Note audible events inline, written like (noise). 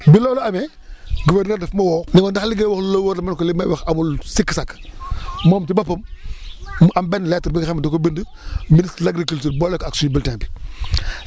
bi loolu amee (breath) gouverneur daf ma woo ne ma ndax li ngay wax lu la wóor la ma ne ko li may wax amul sikki-sàkka (noise) moom ci boppam (noise) mu am benn lettre bi nga xam ne da ko bind ministre de l' agriculture boole ko ak suñu bulletin bi (breath)